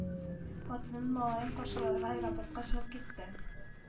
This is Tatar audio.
Хатынын, малаен каршыларга аэропортка чыгып китте.